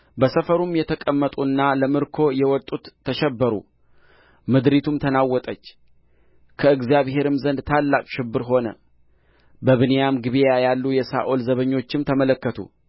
በሰፈሩ የተቀመጡና ለምርኮ የወጡት ተሸበሩ ምድሪቱም ተናወጠች ከእግዚአብሔርም ዘንድ ታላቅ ሽብር ሆነ በብንያም ጊብዓ ያሉ የሳኦል ዘበኞችም ተመለከቱ